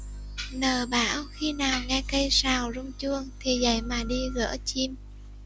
n bảo khi nào nghe cây sào rung chuông thì dậy mà đi gỡ chim